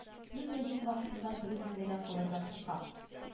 Мин яшен вакытында берүзем генә калырга куркам